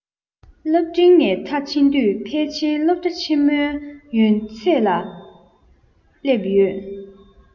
སློབ འབྲིང ནས མཐར ཕྱིན དུས ཕལ ཆེར སློབ གྲྭ ཆེན མོའི ཡོན ཚད ལ སླེབས ཡོད